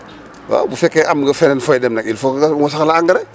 waaw bu fekkee am nga feneen fooy dem nag il que mu soxla angare